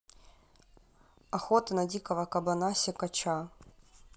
охота на дикого кабана секача